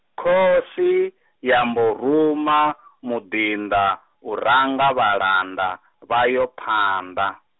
khosi, yambo ruma , muḓinḓa, u ranga vhalanda, vhayo phanḓa.